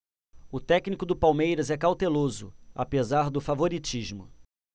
o técnico do palmeiras é cauteloso apesar do favoritismo